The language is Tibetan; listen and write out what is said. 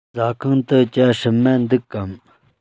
ཟ ཁང དུ ཇ སྲུབས མ འདུག གམ